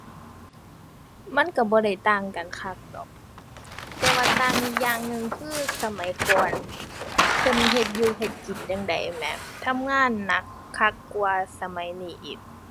มันก็บ่ได้ต่างกันคักดอก แต่ว่าต่างอย่างหนึ่งคือสมัยก่อน เพิ่นเฮ็ดอยู่เฮ็ดกินจั่งใดแหม ทำงานหนักคักกว่าสมัยนี้อีก